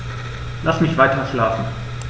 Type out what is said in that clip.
Lass mich weiterschlafen.